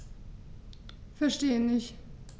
Verstehe nicht.